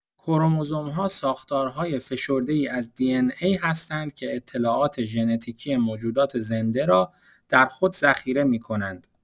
کروموزوم‌ها ساختارهای فشرده‌ای از دی‌ان‌ای هستند که اطلاعات ژنتیکی موجودات زنده را در خود ذخیره می‌کنند.